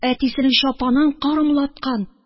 Әтисенең чапанын корымлаткан...